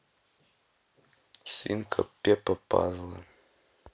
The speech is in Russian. свинка пеппа пазлы